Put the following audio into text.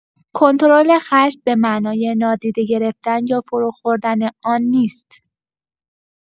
کنترل خشم به معنای نادیده گرفتن یا فروخوردن آن نیست.